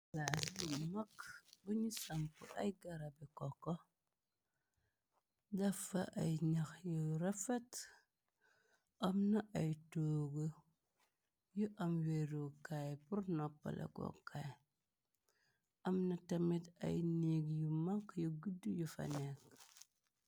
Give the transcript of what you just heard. Palaas bu makk, buñu sampu ay garabe kokko, def fa ay ñax yu rëfat, am ay toogu yu am wërukaay pur noppalakokaay, amna tamit ay neeg yu mag, yu guddu yu fa nekk.